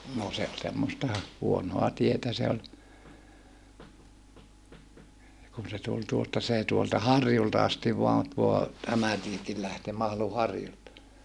no se oli semmoista huonoa tietä se oli kun se tuli tuosta se tuolta harjulta asti vain tuo tämä tiekin lähtee Mahlun harjulta